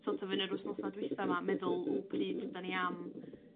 so't of fyny yr wythnosa dwitha 'ma meddwl o pryd 'dan ni am